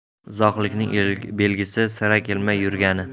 uzoqlikning belgisi sira kelmay yurgani